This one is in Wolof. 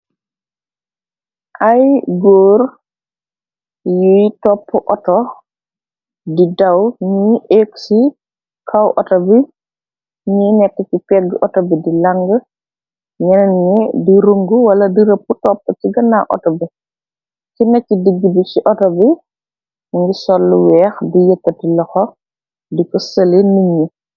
Ay góor yuy topp auto di daw ni éx ci kaw auto bi ñi nekk ci pegg auto bi di lang ñenen ñi di rung wala dirëpp topp ci gana outo bi ci na ci digg bi ci auto bi ngi sollu weex di yekkati loxo di ko sële niñ ñi.